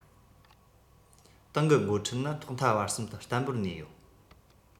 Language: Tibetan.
ཏང གི འགོ ཁྲིད ནི ཐོག མཐའ བར གསུམ དུ བརྟན པོར གནས ཡོད